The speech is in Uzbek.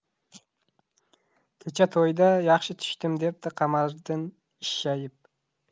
kecha to'yda yaxshi tushdimi dedi qamariddin ishshayib